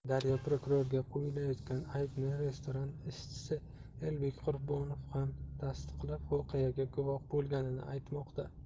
daryo prokurorga qo'yilayotgan aybni restoran ishchisi elbek qurbonov ham tasdiqlab voqeaga guvoh bo'lganini aytmoqda